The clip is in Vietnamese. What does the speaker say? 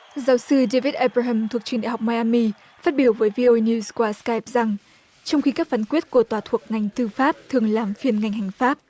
giáo sư đê vít e vơ hâm thuộc trường đại học mai a mi phát biểu với vi ô ây niu qua cai rằng trong khi các phán quyết của tòa thuộc ngành tư pháp thường làm phiên ngành hình pháp